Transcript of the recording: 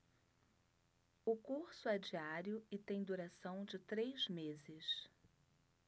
o curso é diário e tem duração de três meses